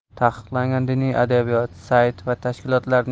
taqiqlangan diniy adabiyot sayt va tashkilotlarning